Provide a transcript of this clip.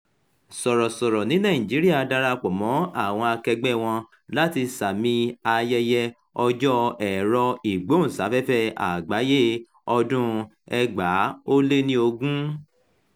Sọ̀rọ̀sọ̀rọ̀ ní Nàìjíríà darapọ̀ mọ́ àwọn akẹgbẹ́-ẹ wọn láti sààmì ayẹyẹ Ọjọ́ Ẹ̀rọ-ìgbóhùnsáfẹ́fẹ́ Àgbáyé ọdún-un 2020